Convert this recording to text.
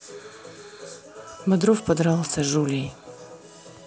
бодров подрался жулей